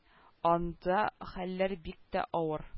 Анда хәлләр бик тә авыр